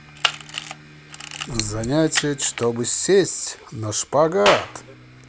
занятия чтобы сесть на шпагат